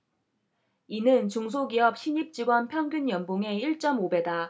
이는 중소기업 신입 직원 평균 연봉의 일 쩜 오 배다